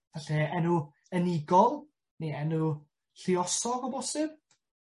Falle enw unigol, ne' enw lluosog o bosib?